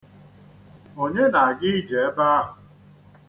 Onye na-aga ije ebe ahụ?